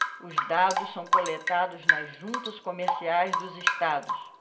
os dados são coletados nas juntas comerciais dos estados